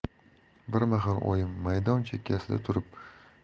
bir mahal oyim maydon chekkasida